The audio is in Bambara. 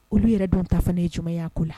Olu yɛrɛ dun ta ye jumɛnya ko la?